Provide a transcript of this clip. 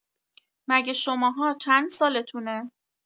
مگه شماها چند سالتونه؟